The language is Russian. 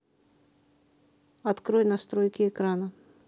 открой настройки экрана